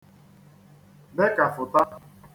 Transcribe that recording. bekàfụ̀ta